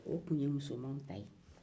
o tun ye musomanw ta ye